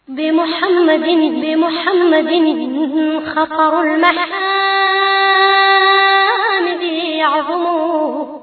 Denmuunɛsonin denunɛsoninlagɛningɛnin yo